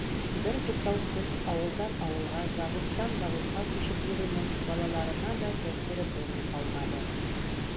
Бертуктаусыз авылдан авылга, заводтан заводка күчеп йөрүнең балаларына да тәэсире булмый калмады.